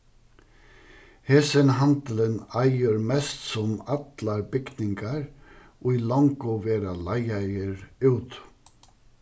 hesin handilin eigur mest sum allar bygningar ið longu verða leigaðir út